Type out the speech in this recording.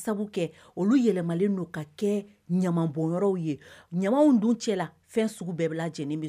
Yɛlɛ kɛ ɲama bɔw ye ɲamaw don cɛla la fɛn sugu bɛɛ bɛ lajɛlen